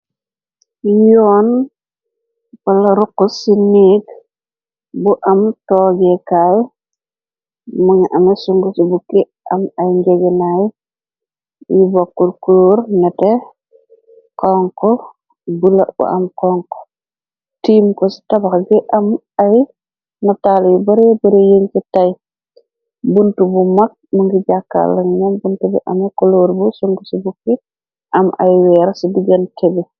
Yoon bala ruxu ci neeg bu am toogeekaal mëngi ane sung ci bukki am ay njeginaay yi bokku cor nate konko bula bu am conko tiim ko ci tabax gi am ay nataal yu bare bare yeñ ci tey bunt bu mag mu ngi jàkkal la nan bunt bi ame coloor bu sung ci bukki am ay weer ci digan ke bi.